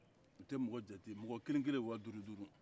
u tɛ mɔgɔ jate mɔgɔ kelen-kelen waa duuru-duuru